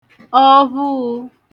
ọvhụụ̄